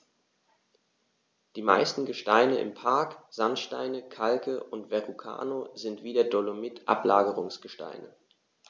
Die meisten Gesteine im Park – Sandsteine, Kalke und Verrucano – sind wie der Dolomit Ablagerungsgesteine.